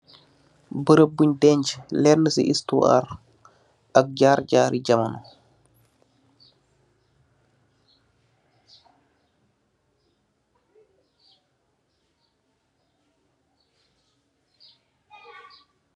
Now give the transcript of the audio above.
Beureub bungh denchh lehmsi histoire, ak jarrr jarrri jamm.